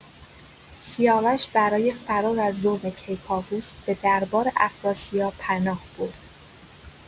سیاوش برای فرار از ظلم کیکاووس، به دربار افراسیاب پناه برد.